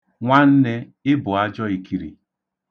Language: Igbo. Nwanne, ị bụ ajọ ikiri.